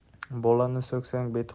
bolani so'ksang beti